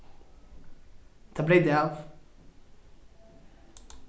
tað breyt av